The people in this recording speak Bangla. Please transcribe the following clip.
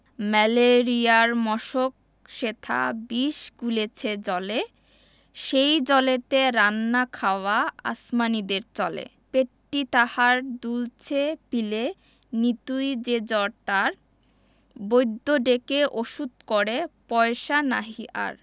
ম্যালেরিয়ার মশক সেথা বিষ গুলিছে জলে সেই জলেতে রান্নাখাওয়া আসমানীদের চলে পেটটি তাহার দুলছে পিলেয় নিতুই যে জ্বর তার বৈদ্য ডেকে ওষুধ করে পয়সা নাহি আর